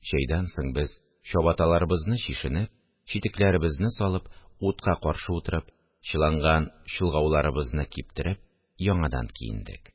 Чәйдән соң без, чабаталарыбызны чишенеп, читекләребезне салып утка каршы утырып, чыланган чолгауларыбызны киптереп, яңадан киендек